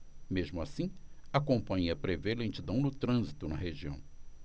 mesmo assim a companhia prevê lentidão no trânsito na região